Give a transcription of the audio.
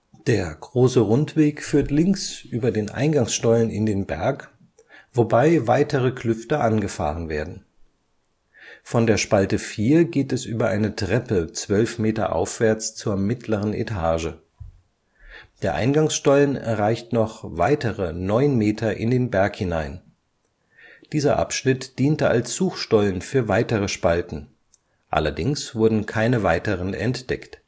Der große Rundweg führt links über den Eingangsstollen in den Berg, wobei weitere Klüfte angefahren werden. Von der Spalte 4 geht es über eine Treppe zwölf Meter aufwärts zur mittleren Etage. Der Eingangsstollen reicht noch weitere neun Meter in den Berg hinein. Dieser Abschnitt diente als Suchstollen für weitere Spalten; allerdings wurden keine weiteren entdeckt